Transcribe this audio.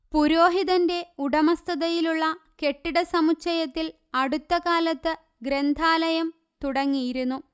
പുരോഹിതന്റെ ഉടമസ്ഥതയിലുള്ള കെട്ടിടസമുച്ചയത്തിൽ അടുത്ത കാലത്ത് ഗ്രന്ഥാലയം തുടങ്ങിയിരുന്നു